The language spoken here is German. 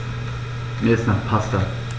Mir ist nach Pasta.